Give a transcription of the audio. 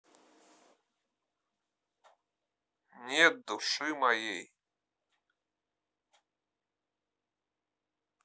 нет души моей